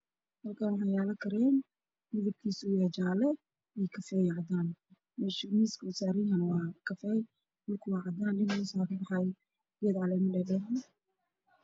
Waa caadad midabkeedu yahay cadaan iyo jaalle isku jiro oo saaran meel oo xayeysiis ah